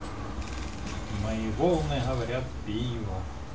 мои волны говорят пиво